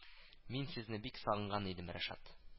Мин сезне бик сагынган идем, Рәшат